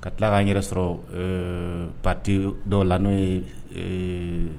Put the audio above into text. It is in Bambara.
Ka tila k' n yɛrɛ sɔrɔ pati dɔw la n'o ye